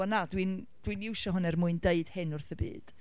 wel na, dwi’n, dwi'n iwsio hwn er mwyn deud hyn wrth y byd.